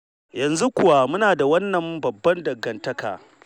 Yanzu kuwa muna da wannan babbar dangantaka.